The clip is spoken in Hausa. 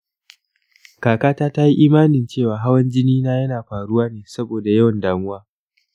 kakata ta ta yi imanin cewa hawan jinina yana faruwa ne saboda yawan damuwa.